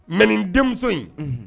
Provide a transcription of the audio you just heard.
Mɛ nin denmuso in